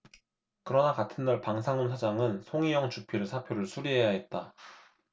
그러나 같은 날 방상훈 사장은 송희영 주필의 사표를 수리해야 했다